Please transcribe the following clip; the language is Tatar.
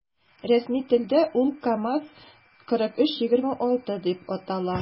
Рәсми телдә ул “КамАЗ- 4326” дип атала.